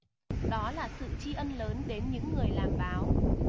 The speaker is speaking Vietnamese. đó là sự tri ân lớn đến những người làm báo